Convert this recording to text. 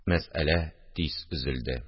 Мәсьәлә тиз өзелде